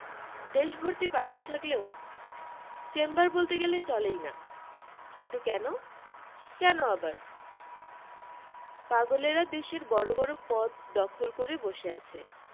দেশভর্তি পাগল থাকলেও চেম্বার বলতে গেলে চলেই না কিন্তু কেন কেন আবার পাগলেরা দেশের বড় বড় পদ দখল করে বসে আছে